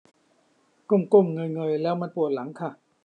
ก้มก้มเงยเงยแล้วมันปวดหลังค่ะ